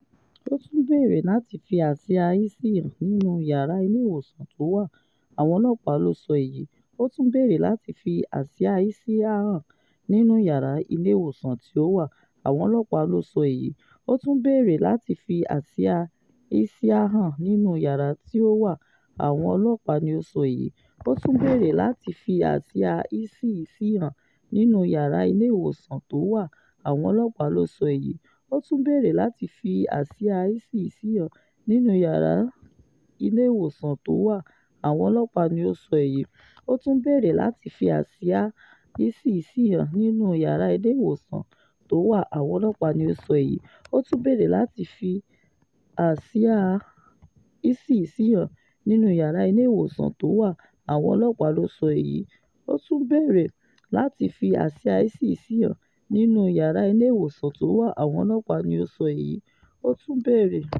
Ó tún béèrè láti fi àsíá ISIS han nínú yàrá ilé ìwòsàn tó wà, àwọn ọlọ́pàá ló sọ èyí.